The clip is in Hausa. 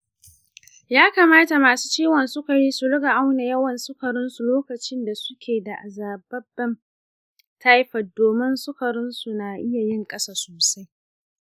yakamata masu ciwon sukari su riƙa auna yawan sukarinsu lokacin da suke da zazzabin taifot domin sukarinsu na iya yin ƙasa sosai.